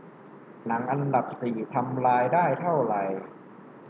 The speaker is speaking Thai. หนังอันดับสี่ทำรายได้เท่าไหร่